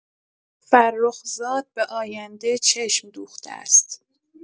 فرخزاد به آینده چشم دوخته است.